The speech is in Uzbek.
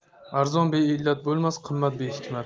arzon beillat bo'lmas qimmat behikmat